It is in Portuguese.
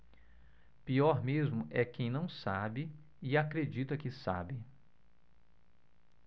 pior mesmo é quem não sabe e acredita que sabe